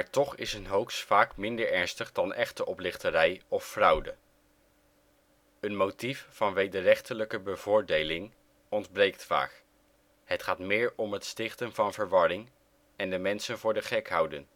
toch is een hoax vaak minder ernstig dan echte oplichterij of fraude. Een motief van wederrechtelijke bevoordeling ontbreekt vaak, het gaat meer om het stichten van verwarring en de mensen voor de gek houden